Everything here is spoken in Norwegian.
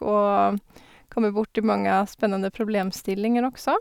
Og kommer borti mange spennende problemstillinger også.